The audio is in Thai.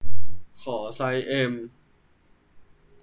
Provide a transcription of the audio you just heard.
ขอไซส์เอ็ม